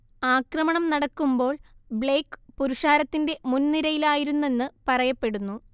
ആക്രമണം നടക്കുമ്പോൾ ബ്ലെയ്ക്ക് പുരുഷാരത്തിന്റെ മുൻനിരയിലായിരുന്നെന്ന് പറയപ്പെടുന്നു